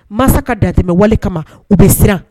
Mansa ka dantɛ wale kama u bɛ siran